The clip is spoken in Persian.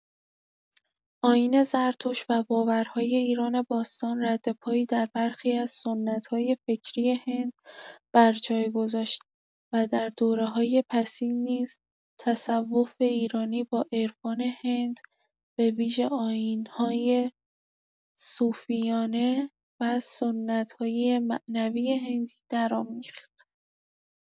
آیین زرتشت و باورهای ایران باستان ردپایی در برخی سنت‌های فکری هند برجای گذاشت و در دوره‌های پسین نیز تصوف ایرانی با عرفان هند به‌ویژه آیین‌های صوفیانه و سنت‌های معنوی هندی درآمیخت.